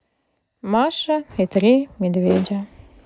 маша и три медведя